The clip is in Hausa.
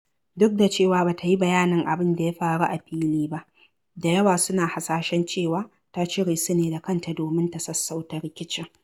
Duk da cewa ba ta yi bayanin abin da ya faru a fili ba, da yawa suna hasashen cewa ta cire su ne da kanta domin ta sassauta rikicin.